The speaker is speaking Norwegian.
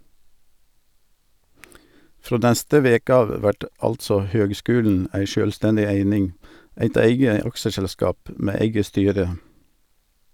Frå neste veke av vert altså høgskulen ei sjølvstendig eining , eit eige aksjeselskap med eige styre.